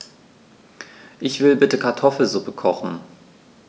Ich will bitte Kartoffelsuppe kochen.